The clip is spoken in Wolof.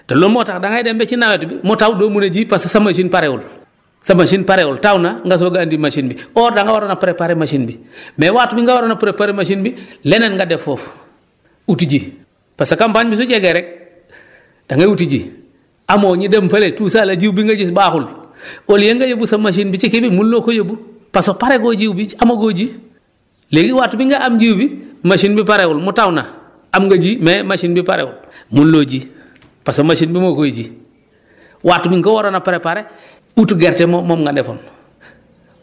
te loolu moo tax da ngay dem ba ci nawet bi mu taw doo mun a ji parce que sa machine parewul sa machine perewul taw na nga soog a andi machine bi hors da nga waroon a préparé machine bi mais waxtu bi nga waroon a préparé machine bi leneen nga def foofu uti ji parce que mbéy mi su jegee rek da ngay wuti ji amoo ñi dem fële tout ça là jiw bi ngay gis baaxul au lieu nga yóbbu sa machine bi ci kii bi mënuloo ko yóbbu parce que paree goo jiw bi amagoo ji léegi waxtu bi nga am jiw bi machine bi parewul mu taw na am nga ji mais machine bi parewul mënuloo ji parce que machione bi moo koy ji waxtu bi nga ko waroon a préparer utu gerte moo moom nga defoon